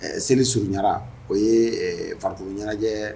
Seli surun jara o ye faraugu ɲɛnajɛ